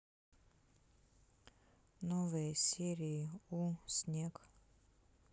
новые серии у снег